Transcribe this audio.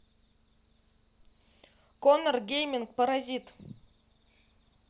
conor гейминг паразит